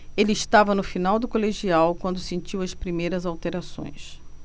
ele estava no final do colegial quando sentiu as primeiras alterações